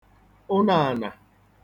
ụnāànà